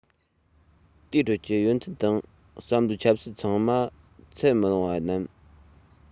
དེའི ཁྲོད ཀྱི ཡོན ཚད དང བསམ བློ ཆབ སྲིད ཚང མ ཚད མི ལོངས པ རྣམས